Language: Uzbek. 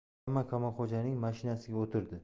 hamma kamolxo'janing mashinasiga o'tirdi